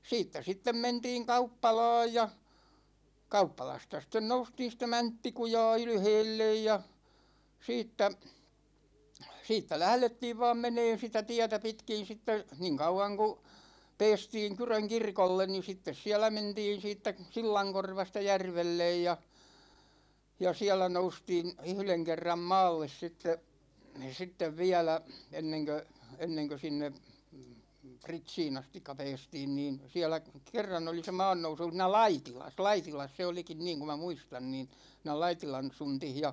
siitä sitten mentiin kauppalaan ja kauppalasta sitten noustiin sitä Mänttikujaa ylhäälle ja siitä siitä lähdettiin vain menemään sitä tietä pitkin sitten niin kauan kun päästiin Kyrön kirkolle niin sitten siellä mentiin siitä sillankorvasta järvelle ja ja siellä noustiin yhden kerran maalle sitten sitten vielä ennen kuin ennen kuin sinne Pritsiin asti päästiin niin siellä kerran oli se maannousu siinä Laitilassa Laitilassa se olikin niin kun minä muistan niin siinä Laitilan suntissa ja